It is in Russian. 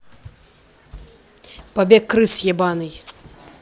побег крыс ебаный